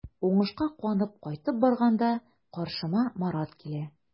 Уңышка куанып кайтып барганда каршыма Марат килә.